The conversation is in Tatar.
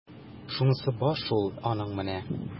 Шунысы бар шул аның менә! ..